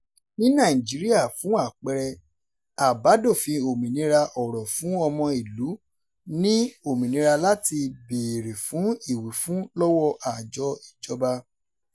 Ní Nàìjíríà, fún àpẹẹrẹ, Àbádòfin Òmìnira Ọ̀rọ̀ fún ọmọ ìlú ní òmìnira láti béèrè fún ìwífun lọ́wọ́ àjọ ìjọba.